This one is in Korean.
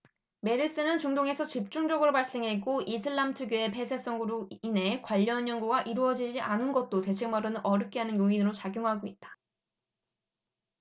메르스는 중동에서 집중적으로 발생했고 이슬람 특유의 폐쇄성으로 인해 관련 연구가 이뤄지지 않은 것도 대책 마련을 어렵게 하는 요인으로 작용하고 있다